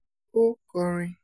Ó kọrin: